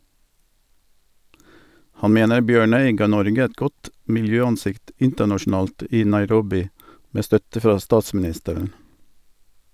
Han mener Bjørnøy ga Norge et godt miljøansikt internasjonalt i Nairobi, med støtte fra statsministeren.